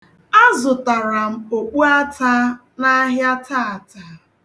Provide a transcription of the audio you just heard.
Azụtara m okpuata n'ahịa taata.